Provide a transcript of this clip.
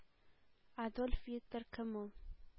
Адольф Гитлер – кем ул?”,